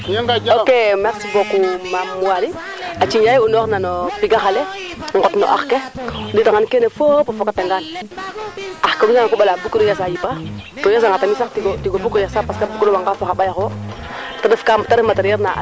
pour a deɓa nga deɓ im inwa nga inu im waago inoox to taap kiin no kiin parce que neeke o jafo neeke ɓisuudoonga ten refu ref rek ke refna fa mi yaam yaa refma ndeɓanong bo meeke tolwiid na